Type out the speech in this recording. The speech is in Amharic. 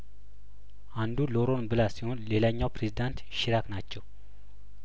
አንዱ ሎሮን ብላ ሲሆን ሌላኛው ፕሬዚዳንት ሺራክ ናቸው